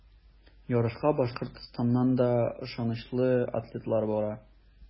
Ярышка Башкортстаннан да ышанычлы атлетлар бара.